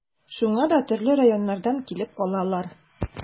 Шуңа да төрле районнардан килеп алалар.